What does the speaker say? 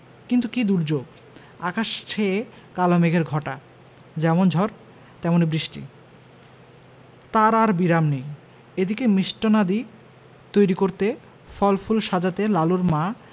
কিন্তু কি দুর্যোগ আকাশ ছেয়ে কালো মেঘের ঘটা যেমন ঝড় তেমনি বৃষ্টি তার আর বিরাম নেই এদিকে মিষ্টান্নাদি তৈরি করতে ফল ফুল সাজাতে লালুর মা